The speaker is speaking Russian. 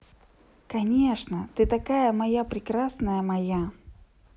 конечно ты такая моя прекрасная моя